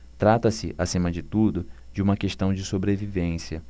trata-se acima de tudo de uma questão de sobrevivência